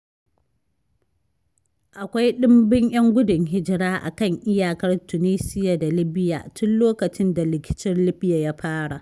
Akwai ɗimbin 'yan gudun hijira a kan iyakar Tunusia da Libya tun lokacin da rikicin Libya ya fara.